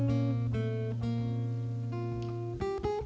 đừng buồn